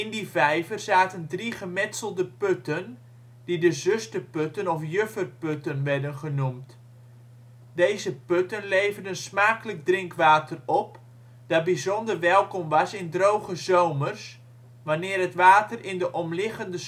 die vijver zaten drie gemetselde putten, die de zusterputten of jufferputten werden genoemd. Deze putten leverden smakelijk drinkwater op, dat bijzonder welkom was in droge zomers, wanneer het water in de omliggende